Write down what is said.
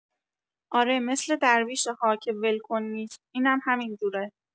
اره مثل درویشه ها که ولکن نیست اینم همینجوره